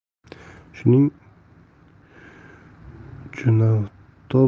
shuning uchunavtobusga o'tirib